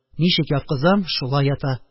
Ничек яткызам – шулай ята